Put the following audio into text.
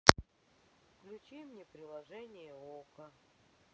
включи мне приложение окко